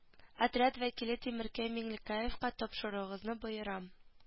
Отряд вәкиле тимеркәй миңлекәевкә тапшыруыгызны боерам